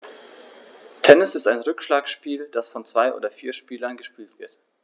Tennis ist ein Rückschlagspiel, das von zwei oder vier Spielern gespielt wird.